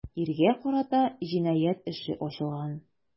Иргә карата җинаять эше ачылган.